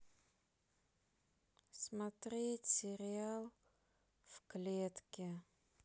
смотреть сериал в клетке